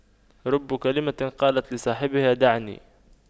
رب كلمة قالت لصاحبها دعني